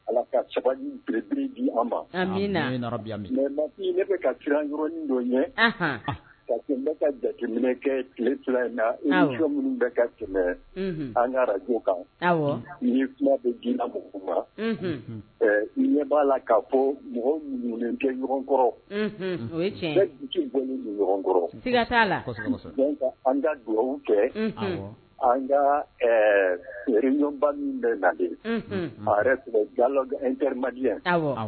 Ala ɲɛminɛ kɛ minnu tɛmɛ anraj kan ni fila bɛ ji i ɲɛ b'a la ka fɔ mɔgɔ kɛ ɲɔgɔnkɔrɔ ɲɔgɔnkɔrɔ la an ka duwa kɛ an kaba min bɛ na tun bɛ ja an terimadi